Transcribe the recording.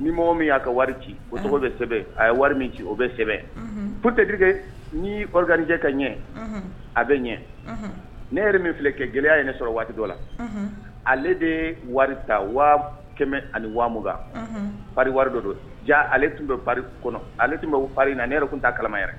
ni mɔgɔ min y'a ka wari ci o tɔgɔ bɛ sɛbɛn a ye wari min ci o bɛ sɛbɛn pte terikɛ nikananijɛ ka ɲɛ a bɛ ɲɛ ne yɛrɛ min filɛ kɛ gɛlɛya ye ne sɔrɔ waati dɔ la ale de ye wari ta waa kɛmɛ ani waa wari dɔ dɔn ja ale tun bɛ kɔnɔ ale tun bɛ na ne yɛrɛ tun tɛ kalama yɛrɛ